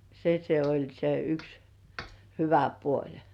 se se oli se yksi hyvä puoli